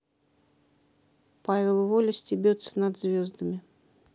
павел воля стебется над звездами